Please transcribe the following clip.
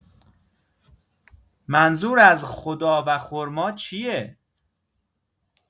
منظور از خدا و خرما چیه؟